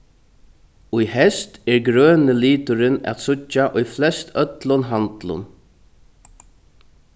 í heyst er grøni liturin at síggja í flest øllum handlum